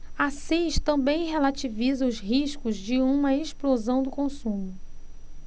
assis também relativiza os riscos de uma explosão do consumo